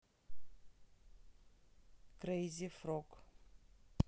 crazy frog